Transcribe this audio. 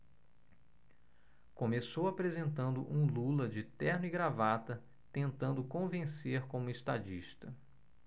começou apresentando um lula de terno e gravata tentando convencer como estadista